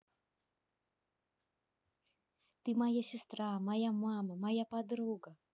ты моя сестра моя мама моя подруга